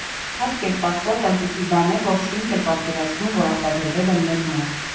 Այլ կերպ ասած՝ այնպիսի բաներ, որ չէինք էլ պատկերացնում, որ արտադրվել են մեզ մոտ։